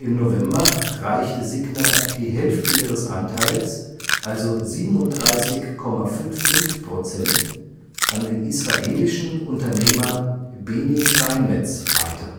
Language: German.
November reichte Signa die Hälfte ihres Anteils, also 37,55 % an den israelischen Unternehmer Beni Steinmetz weiter